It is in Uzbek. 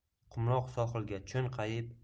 qumloq sohilga cho'nqayib